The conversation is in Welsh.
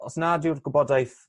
os nad yw'r gwybodaeth